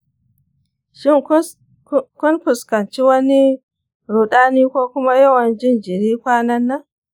shin kun fuskanci wani rudani ko kuma yawan jin jiri kwanan nan?